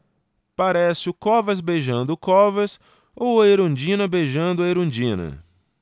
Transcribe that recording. parece o covas beijando o covas ou a erundina beijando a erundina